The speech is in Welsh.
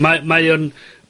mae mae o'n